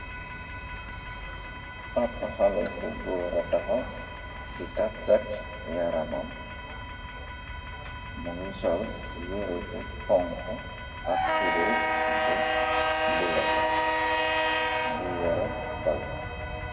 Ab haley bu góor tahaw di taggat yaaranom mu ngi sol yire ku honku ak tubeye bu bulo mungi yorè bal.